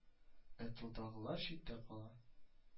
Ә тылдагылар читтә кала